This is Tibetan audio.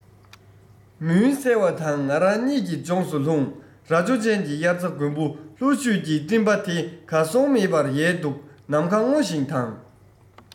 མུན གསལ བ དང ང རང གཉིད ཀྱི ལྗོངས སུ ལྷུང རྭ ཅོ ཅན གྱི དབྱར རྩྭ དགུན འབུ ལྷོ བཞུད ཀྱི སྤྲིན པ དེ གར སོང མེད པར ཡལ འདུག ནམ མཁའ སྔོ ཞིང དྭངས